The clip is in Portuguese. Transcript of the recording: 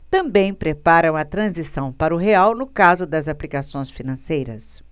também preparam a transição para o real no caso das aplicações financeiras